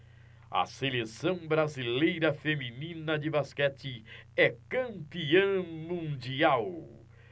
a seleção brasileira feminina de basquete é campeã mundial